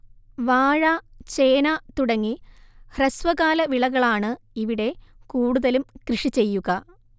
വാഴ ചേന തുടങ്ങി ഹ്രസ്വകാലവിളകളാണ് ഇവിടെ കൂടുതലും കൃഷിചെയ്യുക